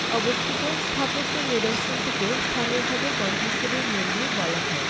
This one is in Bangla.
অবস্থিত স্থাপত্য নিদর্শনটিকে স্থানীয়ভাবে গন্ধেশ্বরীর মন্দির বলা হয়